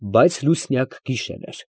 Բայց լուսնյակ գիշեր էր։